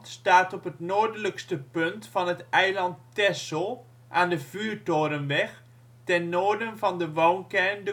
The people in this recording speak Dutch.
staat op het noordelijkste punt van het eiland Texel, aan de Vuurtorenweg ten noorden van de woonkern